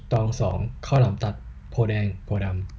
ตองสองข้าวหลามตัดโพธิ์แดงโพธิ์ดำ